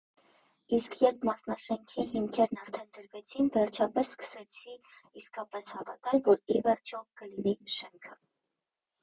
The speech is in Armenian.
Իսկ երբ մասնաշենքի հիմքերն արդեն դրվեցին, վերջապես սկսեցի իսկապես հավատալ, որ ի վերջո կլինի շենքը։